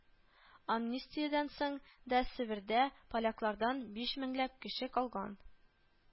Амнистиядән соң да Себердә поляклардан биш меңләп кеше калган